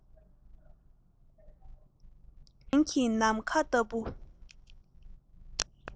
དེ རིང གི ནམ མཁའ ལྟ བུ